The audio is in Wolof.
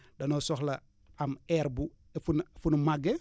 danoo soxla am air bu fu nu fu nu màggee